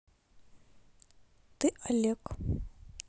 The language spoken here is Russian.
ты олег